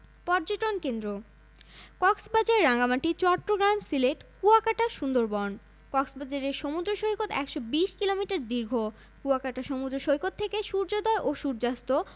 ৩৬২টি city corporation ৬টি ঢাকা চট্টগ্রাম খুলনা রাজশাহী সিলেট ও বরিশাল পৌরসভা ৩০৯টি ভূ প্রকৃতি